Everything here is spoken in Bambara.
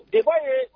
Debat ye